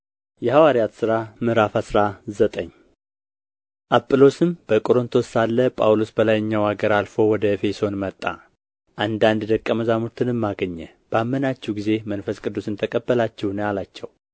የሐዋርያት ሥራ ምዕራፍ አስራ ዘጠኝ አጵሎስም በቆሮንቶስ ሳለ ጳውሎስ በላይኛው አገር አልፎ ወደ ኤፌሶን መጣ አንዳንድ ደቀ መዛሙርትንም አገኘ ባመናችሁ ጊዜ መንፈስ ቅዱስን ተቀበላችሁን አላቸው